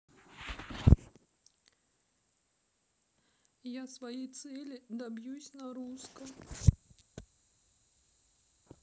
я своей цели добьюсь на русском